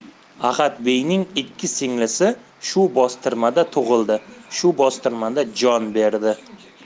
ahadbeyning ikki singlisi shu bostirmada tug'ildi shu bostirmada jon berdi